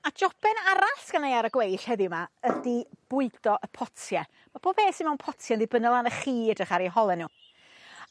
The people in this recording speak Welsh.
A joben arall sgynnai ar y gweill heddiw 'ma ydi bwydo y potie. Ma' bo' peth sy mewn potie yn ddibynnol arnoch chi i edrych ar 'u hole n'w.